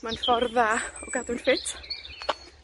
Mae'n ffor dda o gadw'n ffit.